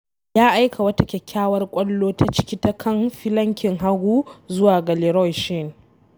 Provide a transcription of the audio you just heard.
Ya aika wata kyakkyawar ƙwallo ta ciki ta kan filankin hagun zuwa ga Leroy Sane.